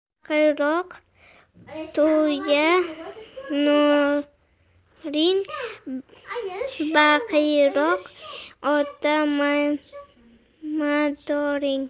baqiroq tuya noring baqiroq ota madoring